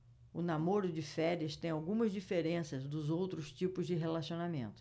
o namoro de férias tem algumas diferenças dos outros tipos de relacionamento